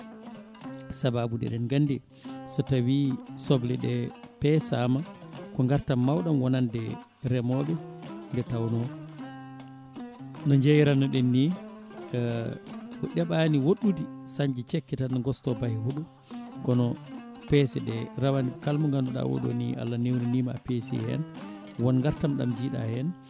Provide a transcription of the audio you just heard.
sababude eɗen gandi so tawi sobleɗe peesama ko gartam mawɗam wonande remoɓe nde tawno no jeyranno ɗen ni ko ɗeeɓani woɗɗude sañje cekke tan ne gosto baahe huuɗo kono peese ɗe rawane kalmo ganduɗa oɗoni Allah newnanima a peesi hen won gartam ɗam jiiɗa hen